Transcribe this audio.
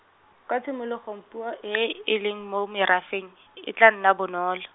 kwa tshimologong puo e e leng mo merafeng, e tla nna bonolo.